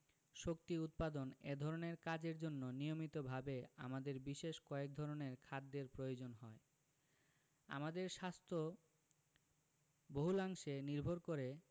শক্তি উৎপাদন এ ধরনের কাজের জন্য নিয়মিতভাবে আমাদের বিশেষ কয়েক ধরনের খাদ্যের প্রয়োজন হয় আমাদের স্বাস্থ্য বহুলাংশে নির্ভর করে